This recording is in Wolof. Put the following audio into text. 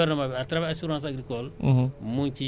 sàcc yi ci biir commune yi vraiment moo ëpp